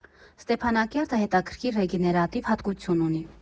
Ստեփանակերտը հետաքրքիր ռեգեներատիվ հատկություն ունի։